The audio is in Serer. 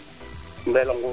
Mbelongout